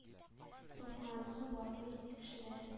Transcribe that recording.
Сукмагыңны барлый, тикшерә.